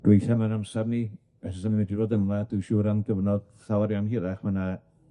Gyfeillion ma'n amsar ni, ni fedru bod yma, dwi'n siŵr am gyfnod llawar iawn hirach, ma' 'na